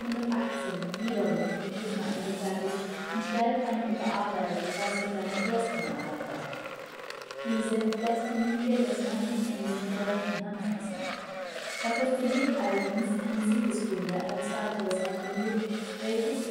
angefertigt und stellt eine überarbeitete Fassung seiner ersten Arbeit dar. Diese lässt die Nike das Mantelende mit der rechten Hand fassen. Er postuliert allerdings eine Siegesbinde als weiteres Attribut, welches er der Nike zusätzlich in die Hand